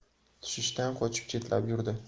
tushishdan qochib chetlab yurdi